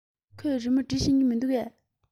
ཁོས རི མོ འབྲི ཤེས ཀྱི མིན འདུག གས